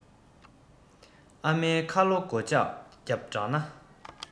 ཨ མའི ཁ ལ སྒོ ལྕགས བརྒྱབ དྲགས ན